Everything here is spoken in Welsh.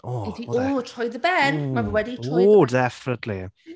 O, oedd e... Is he O, troi dy ben? Mae fe wedi troi dy ben... Oh, definitely.